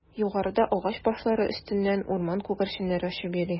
Югарыда агач башлары өстеннән урман күгәрченнәре очып йөри.